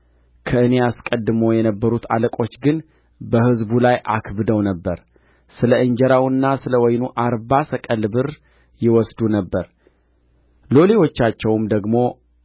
ከእኔ አስቀድመው የነበሩት አለቆች ግን በሕዝቡ ላይ አክብደው ነበር ስለ እንጀራውና ስለ ወይኑ አርባ ሰቅል ብር ይወስዱ ነበር ሎሌዎቻቸውም ደግሞ